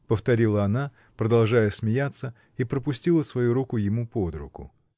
— повторила она, продолжая смеяться, и пропустила свою руку ему под руку.